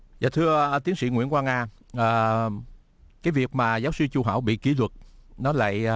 dạ thưa tiến sĩ nguyễn quang a à cái việc mà giáo sư chu hảo bị kỷ luật nó lại